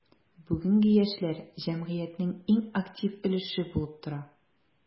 Бүгенге яшьләр – җәмгыятьнең иң актив өлеше булып тора.